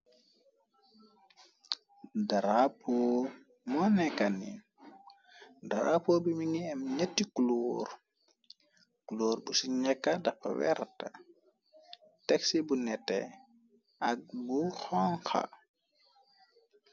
darapo moo nekkan ni darapo bi mi ngi am ñetti kuloor culoor bu ci ñekka dafa werta texsi bu nete ak mu xongko.